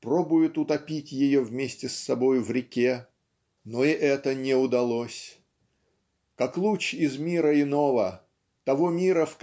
пробует утопить ее вместе с собою в реке, - но и это не удалось. Как луч из мира иного того мира